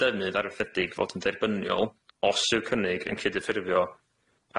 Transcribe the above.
defnydd aralledig fod yn dderbyniol os yw'r cynnig yn cydyffurfio